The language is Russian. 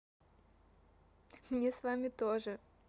мне с вами тоже очень